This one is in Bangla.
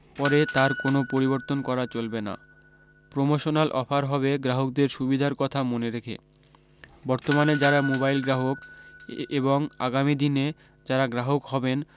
পরে তার কোনও পরিবর্তন করা চলবে না প্রমোশনাল অফার হবে গ্রাহকদের সুবিধার কথা মনে রেখে বর্তমানে যারা মোবাইল গ্রাহক এবং আগামী দিনে যারা গ্রাহক হবেন